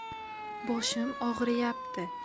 boshim og'riyapti